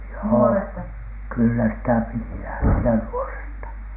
joo kyllä sitä piti lähteä nuoresta